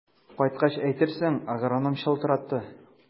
Кайткач әйтерсең, агроном чылтыратты.